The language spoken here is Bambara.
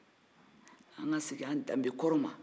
an ka segin an danbe kɔrɔ ma